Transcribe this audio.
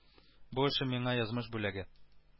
Бу эшем миңа язмыш бүләге